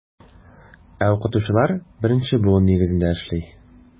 Ә укытучылар беренче буын нигезендә эшли.